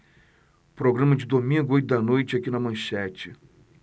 programa de domingo oito da noite aqui na manchete